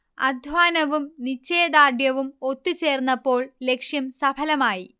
അധ്വാനവും നിശ്ചയദാർഢ്യവും ഒത്തു ചേർന്നപ്പോൾ ലക്ഷ്യം സഫലമായി